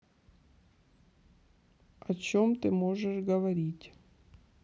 о чем ты можешь поговорить